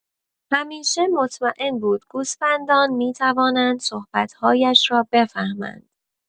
همیشه مطمئن بود گوسفندان می‌توانند صحبت‌هایش را بفهمند.